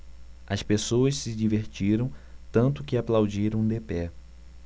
as pessoas se divertiram tanto que aplaudiram de pé